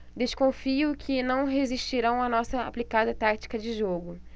desconfio que não resistirão à nossa aplicada tática de jogo